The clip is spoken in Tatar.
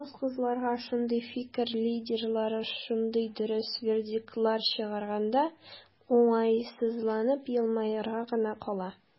Дус кызларга шундый "фикер лидерлары" шундый дөрес вердиктлар чыгарганда, уңайсызланып елмаерга гына кала.